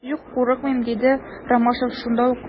Юк, курыкмыйм, - диде Ромашов шунда ук.